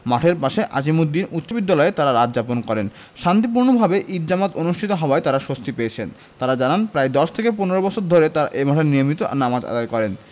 মাঠের পাশে আজিমুদ্দিন উচ্চবিদ্যালয়ে তাঁরা রাত যাপন করেন শান্তিপূর্ণভাবে ঈদ জামাত অনুষ্ঠিত হওয়ায় তাঁরা স্বস্তি পেয়েছেন তাঁরা জানান প্রায় ১০ থেকে ১৫ বছর ধরে তাঁরা এ মাঠে নিয়মিত নামাজ আদায় করেন